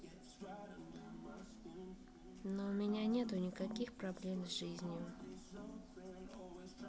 но у меня нету никаких проблем с жизнью